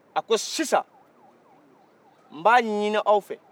a ko sisan n b'a ɲini aw fɛ